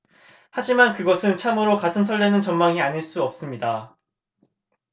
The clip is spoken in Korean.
하지만 그것은 참으로 가슴 설레는 전망이 아닐 수 없습니다